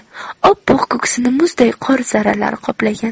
oppoq ko'ksini muzday qor zarralari qoplagan